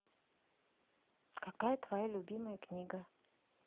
какая твоя любимая книга